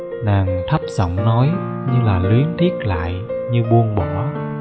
nàng thấp giọng nói như là luyến tiếc lại như buông bỏ